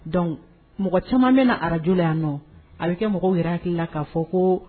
- Donc mɔgɔ caaman bɛ na radio la yan nɔ, a bɛ kɛ mɔgɔ yɛrɛ hakili la k'a fɔ ko